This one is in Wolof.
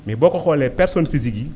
mais boo ko xoolee personne physiques yi